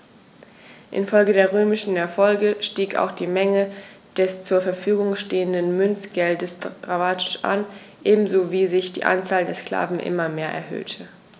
Infolge der römischen Erfolge stieg auch die Menge des zur Verfügung stehenden Münzgeldes dramatisch an, ebenso wie sich die Anzahl der Sklaven immer mehr erhöhte.